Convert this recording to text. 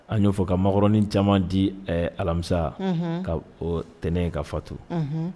An y'o fɔ ka makɔrɔnin caman di alamisa ka tɛnɛn ka fatu